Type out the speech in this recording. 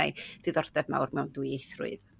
diddordeb mawr mewn dwyieithrwydd.